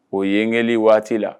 O ye n kɛli waati la